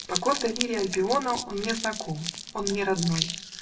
По гордой лире Альбиона Он мне знаком, он мне родной.